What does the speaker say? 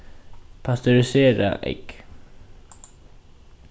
pasteuriserað egg